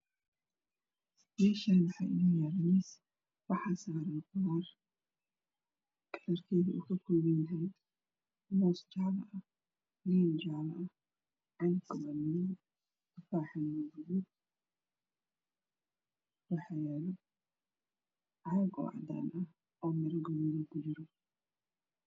Meshan waxaa Inoo yala miis waxaa inoo saran qudaar kalrkeedu uu kakopana yahy mooz jaala ah iyo liin jala ah waxa yaalo caag oo cadana h oo mida gaduudan ku jiro